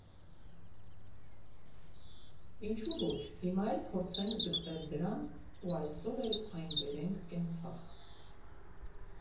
Ինչո՞ւ ոչ, հիմա էլ փորձենք ձգտել դրան ու այսօր էլ այն բերենք կենցաղ։